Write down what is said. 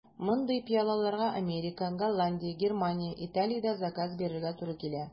Мондый пыялаларга Америка, Голландия, Германия, Италиядә заказ бирергә туры килә.